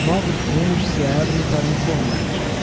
novos rumos se abrem para a informática